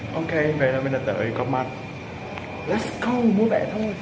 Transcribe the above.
ok vậy là mình đã tới coopmart let's go mua vé thôi